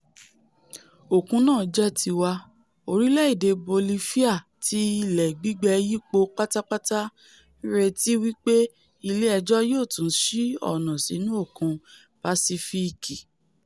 Òkun náà jẹ́ tiwa': orílẹ̀-èdè Bolifia tí ilẹ̀ gbígbẹ yípo pátápátá ńretí wí pé ilé ẹjọ́ yóò tún sí ọ̀nà sínú òkun Pàsífíìkì